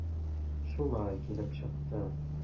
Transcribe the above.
Шулай килеп чыкты.